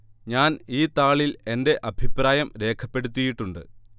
ഞാൻ ഈ താളിൽ എന്റെ അഭിപ്രായം രേഖപ്പെടുത്തിയിട്ടുണ്ട്